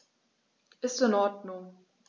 Ist in Ordnung.